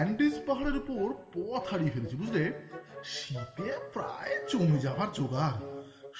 এন্ডিজ পাহাড়ের উপর পথ হারিয়ে ফেলেছি বুঝলে শীতে প্রায় জমে যাবার জোগাড়